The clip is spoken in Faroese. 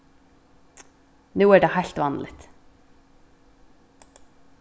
nú er tað heilt vanligt